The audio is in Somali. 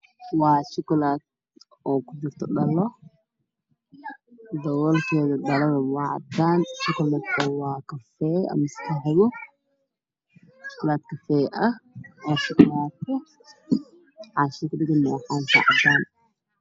Waa shukulaato kujirto dhalo. Daboolkeedu waa cadaan kalarkeedu waa kafay. Xaanshida kudhagan waa cadaan.